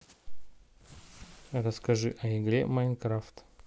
расскажи о игре майнкрафт